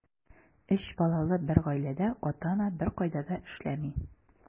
Өч балалы бер гаиләдә ата-ана беркайда да эшләми.